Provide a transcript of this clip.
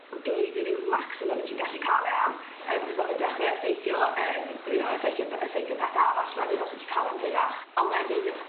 blwyddyn yw'r maximum 'yt ti'n gallu ca'l e am yym achos ma' fe' dechre effeithio yym you know effeithio pe- effeithio peth arall wedyn os wt ti ca'l e am hirach a wedyn